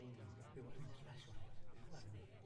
O, byw ar 'i nerfe siŵr o fod, byw ar 'e nerfe